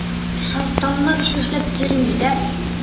Шайтаннар эше эшләп йөрим бит!